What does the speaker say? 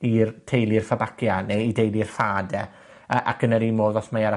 i'r teulu y Fabaceae neu i deulu'r ffâ 'de, a ac yn yr un modd, os mae ar y